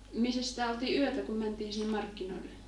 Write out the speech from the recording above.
missäs sitä oltiin yötä kun mentiin sinne markkinoille